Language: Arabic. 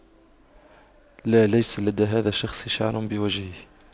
لا ليس لدى هذا الشخص شعر بوجهه